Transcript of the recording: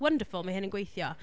Wonderful, mae hyn yn gweithio.